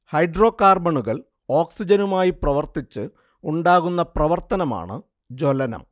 ഹൈഡ്രോകാർബണുകൾ ഓക്സിജനുമായി പ്രവർത്തിച്ച് ഉണ്ടാകുന്ന പ്രവർത്തനമാണ് ജ്വലനം